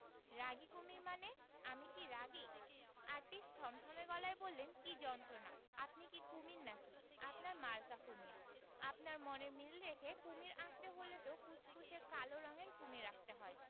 রাগী কুমীর মানে আমি কি রাগী আর্টিস্ট থমথমে গলায় বললেন কি যন্ত্রণা আপনি কি কুমীর না কি আপনার মাকা কুমীর আপনার মনের মিল রেখে কুমীর আঁকতে হলে তো কুচকুচে কালো রঙের কুমীর আঁকতে হয়